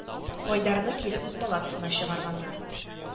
Айдарны кире үз палатасына чыгарганнар